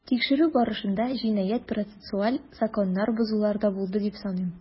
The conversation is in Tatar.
Тикшерү барышында җинаять-процессуаль законны бозулар да булды дип саныйм.